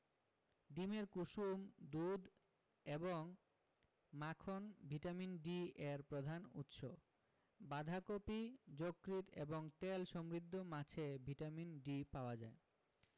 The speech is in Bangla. ডিমের কুসুম দুধ এবং মাখন ভিটামিন D এর প্রধান উৎস বাঁধাকপি যকৃৎ এবং তেল সমৃদ্ধ মাছে ভিটামিন D পাওয়া যায়